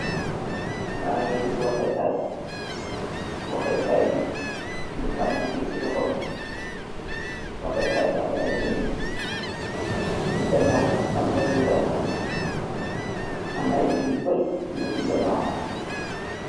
mangee gisi waxee kaay bi ni kanku tiisi loxom bi waxe kaay bi amn ay mbind ci ci ganaaw amna lu weer la amna ay bind yu barig yu na ci ganaawam